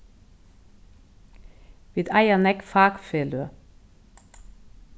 vit eiga nógv fakfeløg